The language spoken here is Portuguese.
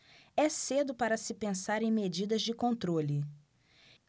é cedo para se pensar em medidas de controle